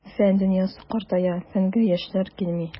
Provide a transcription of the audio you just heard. Фән дөньясы картая, фәнгә яшьләр килми.